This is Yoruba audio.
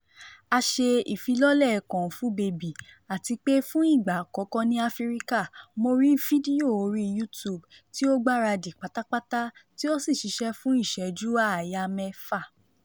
A ṣe ìfilọ́lẹ̀ Kung Fu baby àti pé fún ìgbà àkọ́kọ́ ní Africa, mo rí fídíò orí YouTube tí ó gbáradì pátápátá tí ó sì ṣisẹ́ fún ìṣẹ́jú àáyá 6.